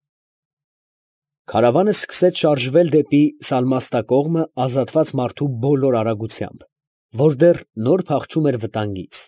Քարավանը սկսեց շարժվել դեպի Սալմաստա կողմը ազատված մարդու բոլոր արագությամբ, որ դեռ նոր փախչում էր վտանգից։